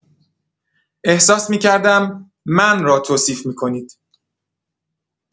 احساس می‌کردم من را توصیف می‌کنید.